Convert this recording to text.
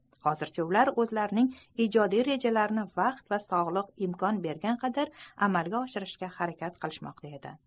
hozircha ular o'zlarining ijodiy rejalarini vaqt va sog'lik imkon bergan qadar amalga oshirishga harakat qilishmoqda edilar